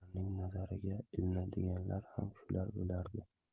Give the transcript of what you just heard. xotin qizlarning nazariga ilinadiganlar ham shular bo'lardi